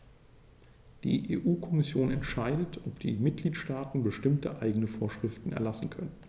Die EU-Kommission entscheidet, ob die Mitgliedstaaten bestimmte eigene Vorschriften erlassen können.